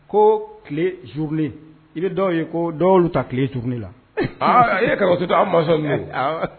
Ko tile zurun i bɛ dɔw ye ko dɔw ta tile zgugun la a kato to an ma